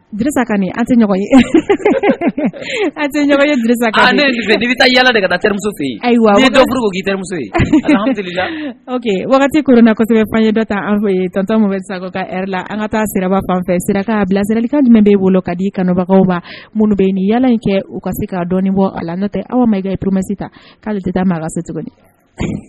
Bisa ka nin an tɛ ye an tɛ ye yalala de ka ayiwa wagati kona kosɛbɛ fan ye da an fɛ ye tɔn bɛ sa ka la an ka taa siraba fanfɛ sira k' bilasiralika min bɛ bolo ka di kanubagawba mun bɛ ni yaa in kɛ u ka se k kaa dɔn bɔ a la n nɔ tɛ aw ma kɛ pmasi ta k'ale tɛ taa maa se tuguni